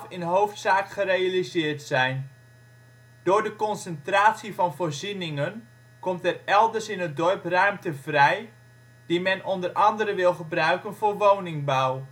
in hoofdzaak gerealiseerd zijn. Door de concentratie van voorzieningen komt er elders in het dorp ruimte vrij die men onder andere wil gebruiken voor woningbouw